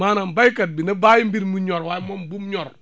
maanaam baykat bi na bàyyi mbir mi mu énor waaye moom bu mu ñor